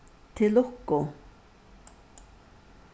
til lukku